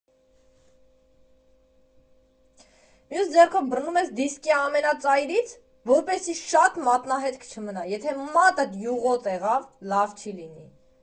Մյուս ձեռքով բռնում ես դիսկի ամենածայրից, որպեսզի շատ մատնահետք չմնա, եթե մատդ յուղոտ եղավ՝ լավ չի լինի։